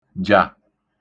-jà